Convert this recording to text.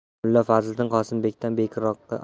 mulla fazliddin qosimbekdan beriroqqa